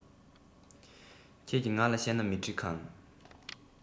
ཁྱེད ཀྱི ང ལ གཤད ན མི གྲིག གམ